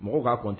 Mɔgɔw b'a